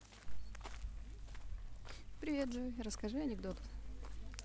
привет джой расскажи анекдот